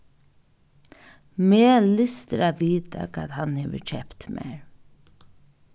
meg lystir at vita hvat hann hevur keypt mær